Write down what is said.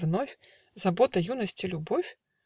иль вновь Забота юности - любовь?